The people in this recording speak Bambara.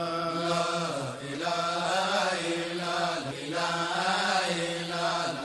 Sanlala